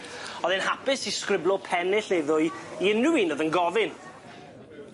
O'dd e'n hapus i sgriblo pennill neu ddwy i unryw un o'dd yn gofyn.